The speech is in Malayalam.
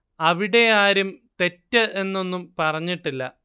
അവിടെ ആരും തെറ്റ് എന്നൊന്നും പറഞ്ഞിട്ടില്ല